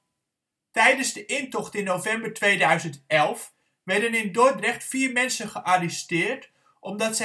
Tijdens de intocht in november 2011 werden in Dordrecht vier mensen gearresteerd omdat